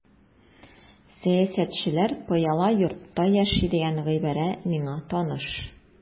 Сәясәтчеләр пыяла йортта яши дигән гыйбарә миңа таныш.